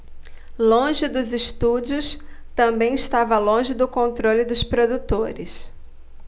longe dos estúdios também estava longe do controle dos produtores